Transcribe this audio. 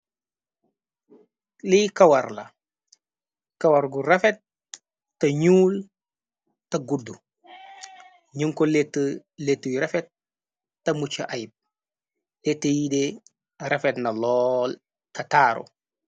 Li kawar la kawar gu rafet ta ñuul ta gudd ñumko let lettuy rafet ta mucc ayb lete yi de rafet na lool ta taaru.